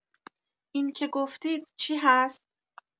اینکه گفتید چی هست؟